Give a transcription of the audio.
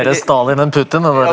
mer Stalin enn Putin det der.